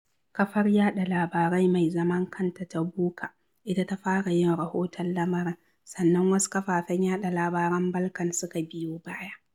Kafar yaɗa labarai mai zaman kanta ta Buka ita ta fara yin rahoton lamarin, sannan wasu kafafen yaɗa labaran Balkan suna biyo baya.